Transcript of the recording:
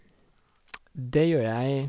Det gjør jeg.